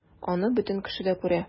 Аны бөтен кеше дә күрә...